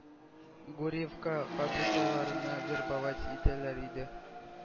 Гурьевка фабрикаларына вербовать итәләр иде.